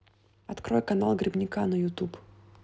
открой канал грибника на ютуб